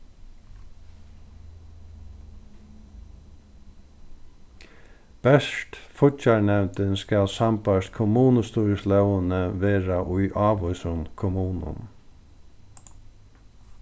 bert fíggjarnevndin skal sambært kommunustýrislógini vera í ávísum kommunum